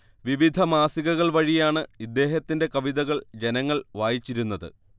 വിവിധ മാസികകൾ വഴിയാണ് ഇദ്ദേഹത്തിന്റെ കവിതകൾ ജനങ്ങൾ വായിച്ചിരുന്നത്